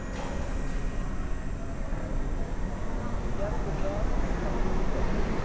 kiygani ko'proq katak ko'ylak